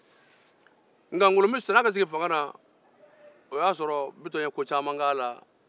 sani ŋolo ka sigi fanga la o y'a sɔrɔ bitɔn ye ko caman ke a la